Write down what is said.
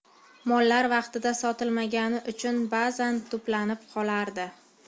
mollar vaqtida sotilmagani uchun ba'zan to'planib qolardi